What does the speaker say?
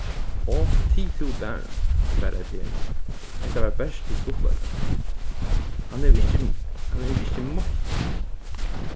áh tig tú bara svaraði per hetta var bert til stuttleika hann hevur ikki hann hevur ikki meitt meg